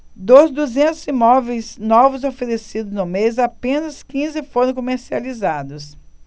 dos duzentos imóveis novos oferecidos no mês apenas quinze foram comercializados